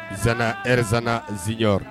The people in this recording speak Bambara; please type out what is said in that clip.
Saana Air Saana Junior